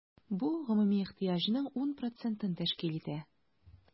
Бу гомуми ихтыяҗның 10 процентын тәшкил итә.